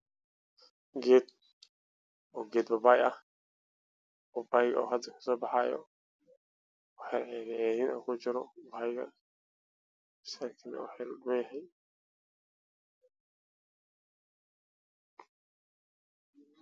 Geed oo geed babaay ah